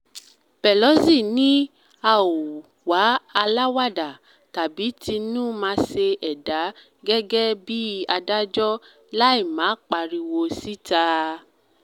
Pelosi ní “A ‘ò wá aláwàda, tàbí tinú-màáṣe ẹ̀dá gẹ́gẹ́ bí adájọ́, láì má pariwo síta.”